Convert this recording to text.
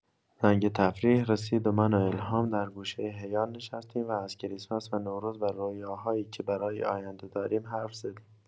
زنگ تفریح رسید و من و الهام در گوشه حیاط نشستیم و از کریسمس و نوروز و رویاهایی که برای آینده داریم حرف زدیم.